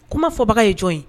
Kuma fɔ baga ye jɔn ye